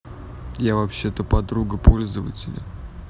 я вообще то подруга пользователя